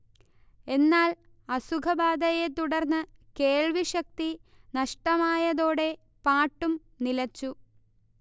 എന്നാൽ അസുഖബാധയെ തുടർന്ന് കേൾവിശക്തി നഷ്ടമായതോടെ പാട്ടും നിലച്ചു